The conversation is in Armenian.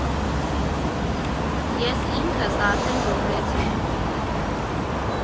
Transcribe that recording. Ես ինքս արդեն գյումրեցի եմ։